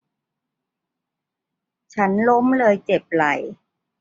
ฉันล้มเลยเจ็บไหล่